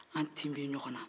an tin bɛ ɲɔgɔn na